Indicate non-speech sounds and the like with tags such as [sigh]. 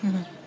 [hesitation] [hesitation]